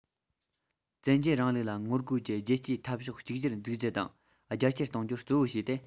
བཙན རྒྱལ རིང ལུགས ལ ངོ རྒོལ གྱི རྒྱལ གཅེས འཐབ ཕྱོགས གཅིག གྱུར འཛུགས རྒྱུ དང རྒྱ ཆེར གཏོང རྒྱུ གཙོ བོར བྱས ཏེ